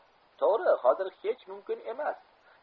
to'g'ri hozir hech mumkin emas